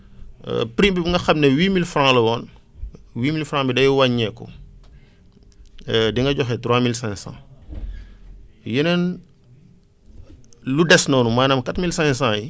prime boobu nga xam ne huit mille francs la woon huit mille frans bi day wàññeeku di nga joxe trois mille cinq cent yeneen lu des noonu maanaam quatre mille cinq cent yi